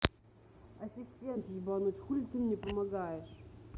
ассистент ебануть хули ты мне помогаешь